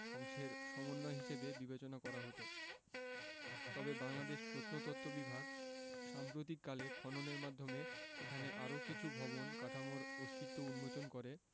অংশের সমন্বয় হিসেবে বিবেচনা করা হতো তবে বাংলাদেশ প্রত্নতত্ত্ব বিভাগ সাম্প্রতিককালে খননের মাধ্যমে এখানে আরও কিছু ভবন কাঠামোর অস্তিত্ব উন্মোচন করে